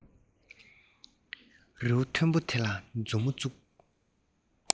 རི བོ མཐོན པོ དེ ལ མཛུབ མོ བཙུགས